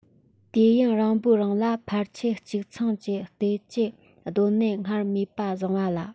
དུས ཡུན རིང པོའི རིང ལ ཕལ ཆེར གཅིག མཚུངས ཀྱི བལྟོས བཅས སྡོད གནས སྔར མུས སུ བཟུང བ ལ